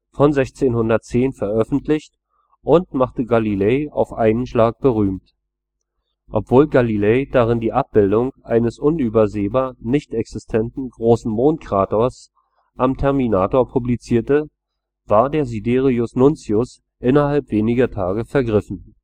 von 1610 veröffentlicht und machten Galilei auf einen Schlag berühmt. Obwohl Galilei darin die Abbildung eines unübersehbar nichtexistenten großen Mondkraters am Terminator publizierte, war der Sidereus Nuncius innerhalb weniger Tage vergriffen